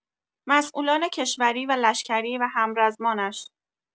مسئولان کشوری و لشکری و همرزمانش